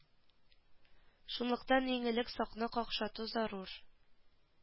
Шунлыктан иң элек сакны какшату зарур